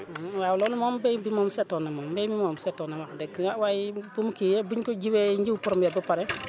waaw loolu moombéy bi moom setoon na moom mbéy mi moom setoon na wax dëgg waaye bi mu kiiyee biñ ko jiwee njiw premier ba pare